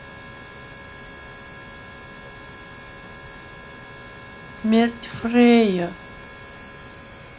смерть freya